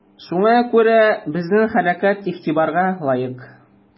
Шуңа күрә безнең хәрәкәт игътибарга лаек.